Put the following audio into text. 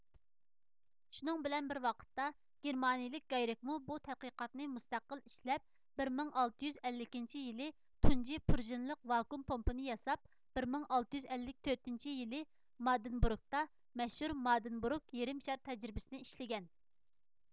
شۇنىڭ بىلەن بىر ۋاقىتتا گېرمانىيىلىك گايرىكمۇ بۇ تەتقىقاتنى مۇستەقىل ئىشلەپ بىر مىڭ ئالتە يۈز ئەللىكىنچى يىلى تۇنجى پۇرشىنلىق ۋاكۇئۇم پومپىنى ياساپ بىر مىڭ ئالتە يۈز ئەللىك تۆتىنچى يىلى مادىنبورۇگتا مەشھۇر مادېنبورۇگ يېرىم شار تەجرىبىسىنى ئىشلىگەن